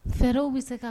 Fɛɛrɛw be se ka